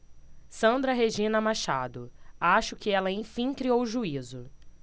sandra regina machado acho que ela enfim criou juízo